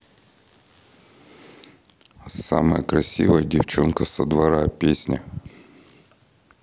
самая красивая девчонка со двора песня